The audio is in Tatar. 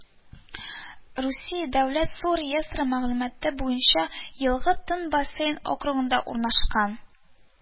Русия дәүләт су реестры мәгълүматы буенча елга Тын бассейн округында урнашкан